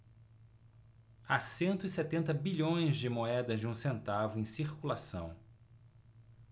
há cento e setenta bilhões de moedas de um centavo em circulação